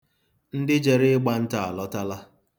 Ndị jere ịgba nta alọtala.